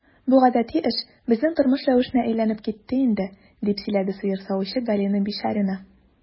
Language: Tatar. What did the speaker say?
Бу гадәти эш, безнең тормыш рәвешенә әйләнеп китте инде, - дип сөйләде сыер савучы Галина Бичарина.